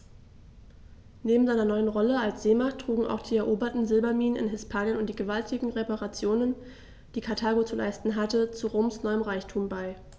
Neben seiner neuen Rolle als Seemacht trugen auch die eroberten Silberminen in Hispanien und die gewaltigen Reparationen, die Karthago zu leisten hatte, zu Roms neuem Reichtum bei.